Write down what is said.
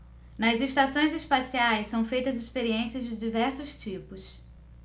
nas estações espaciais são feitas experiências de diversos tipos